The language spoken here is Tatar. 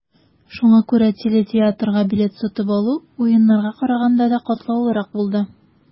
Шуңа күрә телетеатрга билет сатып алу, Уеннарга караганда да катлаулырак булды.